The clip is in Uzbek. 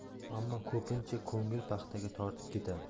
ammo ko'pincha ko'ngil paxtaga tortib ketadi